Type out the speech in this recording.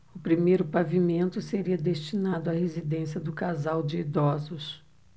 o primeiro pavimento seria destinado à residência do casal de idosos